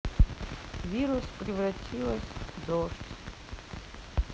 вирус превратилась дождь